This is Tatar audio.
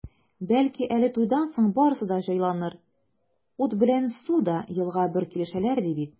Бәлки әле туйдан соң барысы да җайланыр, ут белән су да елга бер килешәләр, ди бит.